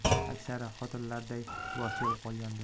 aksari xotinlarday yuvosh bo'lib qolgandi